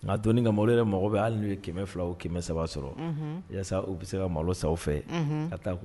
N'a dɔn ka malo yɛrɛ mɔgɔ bɛ hali n'u ye kɛmɛmɛ fila o kɛmɛmɛ saba sɔrɔ walasa u bɛ se ka malo sa fɛ ka taa